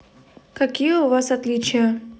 какие у вас отличия